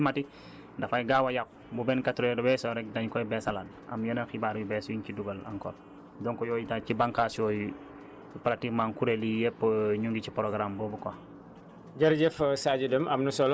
moo tax ñu ne information climatique dafay gaaw a yàqu bu vingt quatre heures weesoo rekk dañ koy beesalaat am yeneen xibaar yu bees yuñ ci dugal encore donc yooyu daal ci bànqaas yooyu pratiquement kuréel yi yépp ñu ngi ci programme boobu quoi